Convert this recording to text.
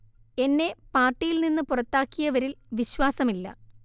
എന്നെ പാർട്ടിയിൽ നിന്ന് പുറത്താക്കിയവരിൽ വിശ്വാസമില്ല